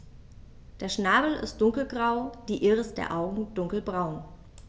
Der Schnabel ist dunkelgrau, die Iris der Augen dunkelbraun.